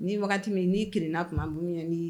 Ni waati min ni kelenna tuma munyan' ye